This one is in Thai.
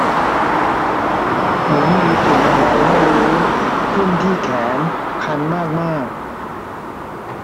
เหมือนมีตุ่มอะไรไม่รู้ขึ้นที่แขนคันมากมาก